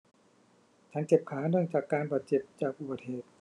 ฉันเจ็บขาเนื่องจากการบาดเจ็บจากอุบัติเหตุ